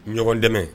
Ɲɔgɔn dɛmɛ